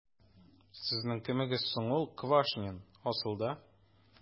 Сезнең кемегез соң ул Квашнин, асылда? ..